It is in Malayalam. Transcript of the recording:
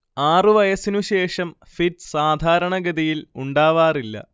ആറു വയസ്സിനുശേഷം ഫിറ്റ്സ് സാധാരണഗതയിൽ ഉണ്ടാവാറില്ല